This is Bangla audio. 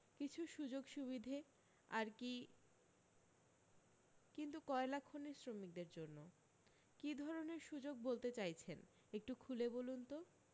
কিছু সু্যোগ সুবিধে আর কী কিন্তু কয়লাখনির শ্রমিকদের জন্য কী ধরণের সু্যোগ বলতে চাইছেন একটু খুলে বলুন তো